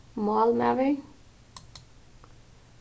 málmaður